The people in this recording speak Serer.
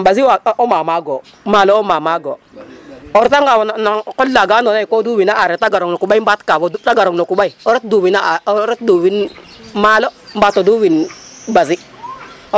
Yaam ɓasi o mamaag o, maalo o mamaag o, o retanga no qol laga andoona yee koo dufin a aareer te garong no nguɓay mbaat kaaf te garong no nguɓay o ret duufin a aareer o ret duufin maalo mbaat o duufin ɓasi .